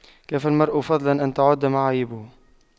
كفى المرء فضلا أن تُعَدَّ معايبه